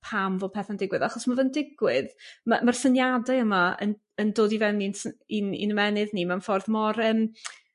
pam fo petha'n digwydd achos ma' fe'n digwydd ma' ma'r syniadau yma yn yn dod i fewn i'n sn- i'n i'n ymennydd ni mewn ffordd mor yym